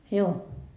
juu